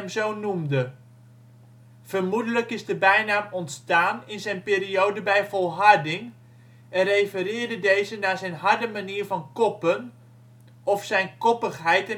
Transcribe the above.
zo noemde. Vermoedelijk is de bijnaam ontstaan in zijn periode bij Volharding, en refereerde deze naar zijn harde manier van koppen of zijn koppigheid